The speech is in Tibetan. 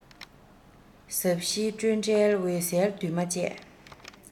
ཟབ ཞི སྤྲོས བྲལ འོད གསལ འདུས མ བྱས